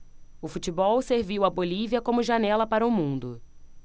o futebol serviu à bolívia como janela para o mundo